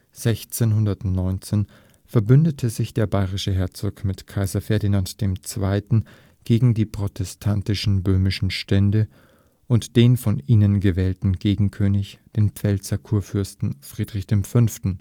1619 verbündete sich der bayerische Herzog mit Kaiser Ferdinand II. gegen die protestantischen böhmischen Stände und den von ihnen gewählten Gegenkönig, den Pfälzer Kurfürsten Friedrich V.